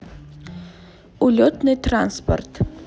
улетный транспорт